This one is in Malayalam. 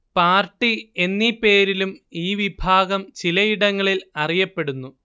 പാർട്ടി എന്നീ പേരിലും ഈ വിഭാഗം ചിലയിടങ്ങളിൽ അറിയപ്പെടുന്നു